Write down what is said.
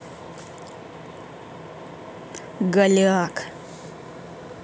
голяк